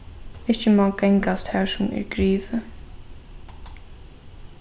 ikki má gangast har sum er grivið